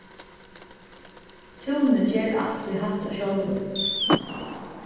súni ger altíð hatta sjálvur